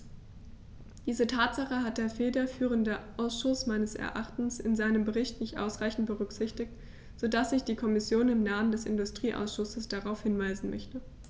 Diese Tatsache hat der federführende Ausschuss meines Erachtens in seinem Bericht nicht ausreichend berücksichtigt, so dass ich die Kommission im Namen des Industrieausschusses darauf hinweisen möchte.